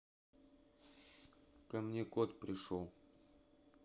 ко мне кот пришел